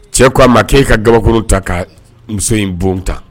Cɛ ko a ma k'e ka kabakoro ta ka muso inbon ta